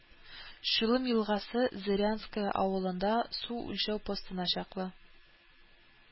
Чулым елгасы, Зырянское авылындагы су үлчәү постына чаклы